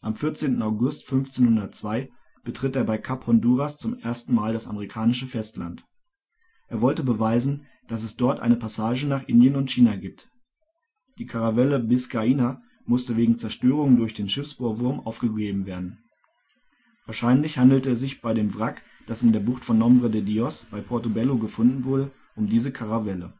Am 14. August 1502 betritt er bei Kap Honduras zum ersten Mal das amerikanische Festland. Er wollte beweisen, dass es dort eine Passage nach Indien und China gibt. Die Karavelle „ Vizcaína “musste wegen Zerstörungen durch den Schiffsbohrwurm aufgegeben werden. Wahrscheinlich handelt es sich bei dem Wrack, das in der Bucht von Nombre de Dios bei Portobelo gefunden wurde, um diese Karavelle